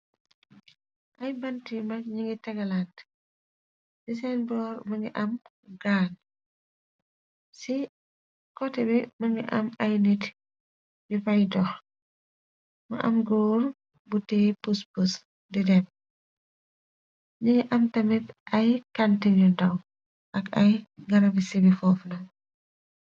Ay bant yu mag ñi ngi tegalant di seen boor më ngi am grang ci koté bi më ngi am ay nit yu pay dox ma am góur bu tée puspus di dem ningi am tamit ay kantinu daw ak ay ngarabi sibi fofnoon.